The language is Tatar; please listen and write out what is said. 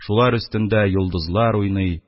Шулар өстендә йолдызлар уйный,